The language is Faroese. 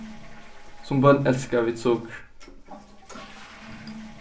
sum børn elska vit sukur